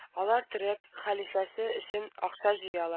Алар төрек хәлифәсе өчен акча җыялар